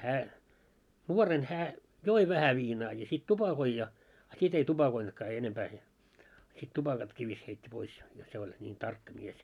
hän nuoren hän joi vähän viinaa ja sitten tupakoi ja a sitten ei tupakoinutkaan enempää se sitten tupakatkin - heitti pois jotta se oli niin tarkka mies